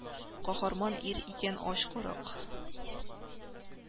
Каһарман ир икән ач карак